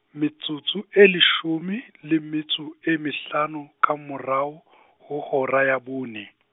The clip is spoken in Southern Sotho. metsotso e leshome, le metso e mehlano, ka morao, ho hora ya bone.